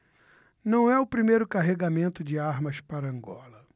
não é o primeiro carregamento de armas para angola